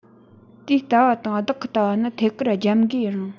དེའི ལྟ བ དང བདག གི ལྟ བ ནི ཐད ཀར རྒྱབ འགལ ཡིན རུང